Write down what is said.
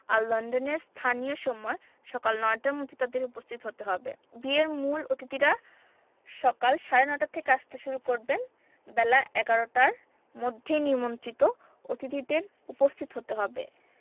আর লন্ডনের স্থানীয় সময় সকাল নয়টার মধ্যে তাঁদের উপস্থিত হতে হবে বিয়ের মূল অতিথিরা সকাল সাড়ে নয়টা থেকে আসতে শুরু করবেন বেলা ১১টার মধ্যেই নিমন্ত্রিত অতিথিদের উপস্থিত হতে হবে